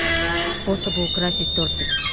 способы украсить тортик